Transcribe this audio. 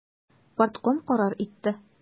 Партком карар итте.